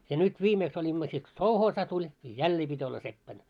ja nyt viimeksi olimme sitten kun sovhoosi tuli ja jälleen piti olla seppänä